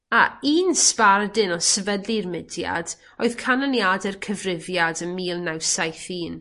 A un sbardun o sefydlu'r mudiad oedd canlyniade'r cyfrifiad ym mil naw saith un.